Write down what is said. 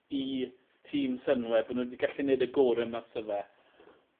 i tîm Sunweb bo' n'w 'di gallu neud y gore' mas o fe.